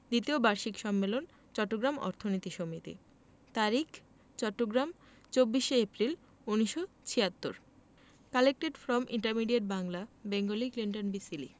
দ্বিতীয় বার্ষিক সম্মেলন তারিখ চট্টগ্রাম ২৪শে এপ্রিল ১৯৭৬ চট্টগ্রাম অর্থনীতি সমিতি Collected from Intermediate Bangla Bengali Clinton B Seely